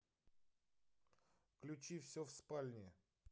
включи все в спальне